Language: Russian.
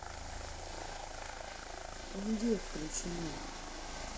где включены